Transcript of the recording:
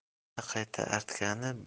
qayta qayta artgani